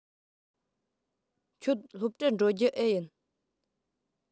ཁྱོད སློབ གྲྭར འགྲོ རྒྱུ འེ ཡིན